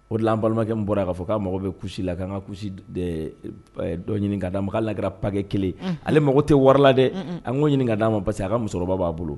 O de an balimakɛ in bɔra k'a fɔ ko ka mago bɛ ku la k' ka ɲini k'a ma k'a lakra pakɛ kelen ale mago tɛ warila dɛ a ko ɲininka k'a ma parce que a ka musokɔrɔba b'a bolo